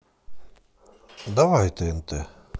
давай тнт